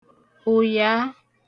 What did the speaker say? ụ̀yàa